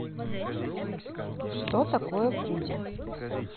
что такое кузя